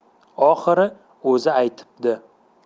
oxiri o'zi aytibdi